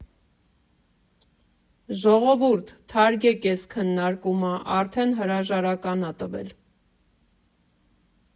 Ժողովուրդ, թարգեք էս քննարկումը, արդեն հրաժարական ա տվել։